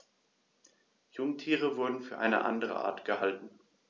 Jungtiere wurden für eine andere Art gehalten.